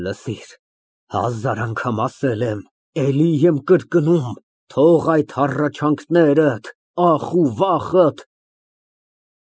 Լսիր, հազար անգամ ասել եմ, էլի եմ կրկնում, թող այդ հառաչանքներդ, ախ ու վախդ։